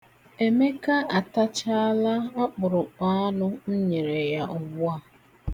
Emeka atachaala ọkpụrụkpụ anụ m nyere ya ugbu a.